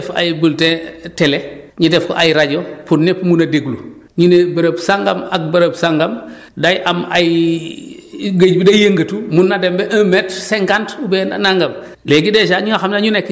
loolu loolu moo tax ñuy def ay belletin télé ñu def ay rajo pour ñëpp mun a déglu ñu ne bërëb sangam ak bërëb sangam day am ay géej bi day yëngatu mën na dem ba un mètre cinquante oubien nangam